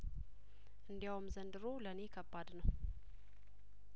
እንዲያውም ዘንድሮ ለእኔ ከባድ ነው